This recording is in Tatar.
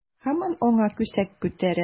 Һаман аңа күсәк күтәрә.